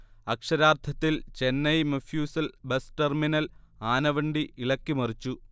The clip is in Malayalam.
അക്ഷരാർഥത്തിൽ ചെന്നൈ മൊഫ്യൂസൽ ബസ് ടെർമിനൽ ആനവണ്ടി ഇളക്കി മറിച്ചു